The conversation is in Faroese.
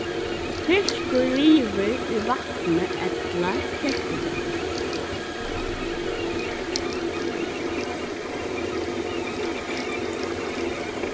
fiskur livir í vatni ella sjógvi